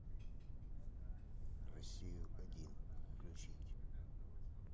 россию один включить